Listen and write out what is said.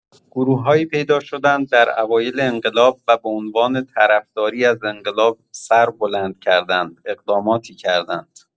گروه‌هایی پیدا شدند در اوایل انقلاب و به‌عنوان طرفداری از انقلاب سر بلند کردند، اقداماتی کردند.